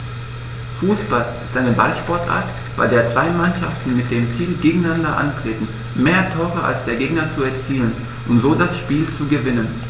Fußball ist eine Ballsportart, bei der zwei Mannschaften mit dem Ziel gegeneinander antreten, mehr Tore als der Gegner zu erzielen und so das Spiel zu gewinnen.